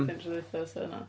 Un tro dwytha, so na.